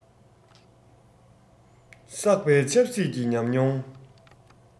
བསགས པའི ཆབ སྲིད ཀྱི ཉམས མྱོང